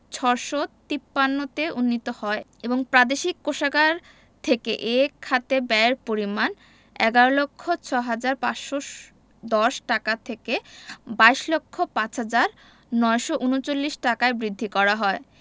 ৬৫৩ তে উন্নীত হয় এবং প্রাদেশিক কোষাগার থেকে এ খাতে ব্যয়ের পরিমাণ ১১ লক্ষ ৬ হাজার ৫১০ টাকা থেকে ২২ লক্ষ ৫ হাজার ৯৩৯ টাকায় বৃদ্ধি করা হয়